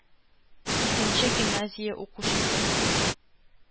Икенче гимназия укучысы.